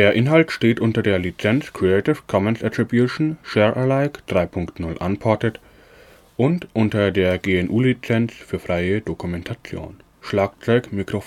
Inhalt steht unter der Lizenz Creative Commons Attribution Share Alike 3 Punkt 0 Unported und unter der GNU Lizenz für freie Dokumentation. Unter